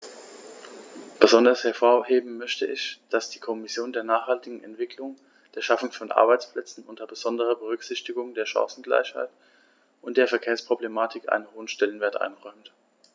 Besonders hervorheben möchte ich, dass die Kommission der nachhaltigen Entwicklung, der Schaffung von Arbeitsplätzen unter besonderer Berücksichtigung der Chancengleichheit und der Verkehrsproblematik einen hohen Stellenwert einräumt.